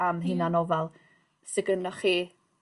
...am hunanofal sy gynnoch chi